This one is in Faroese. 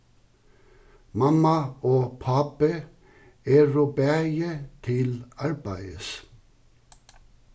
mamma og pápi eru bæði til arbeiðis